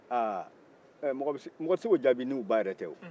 a mɔgɔ tɛ se k'o jaabi n'u ba yɛrɛ tɛ o